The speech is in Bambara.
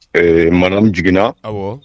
Ɛɛ ma jiginna